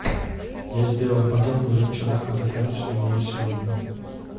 я сделала поделку уже вчера а заканчивал ее сегодня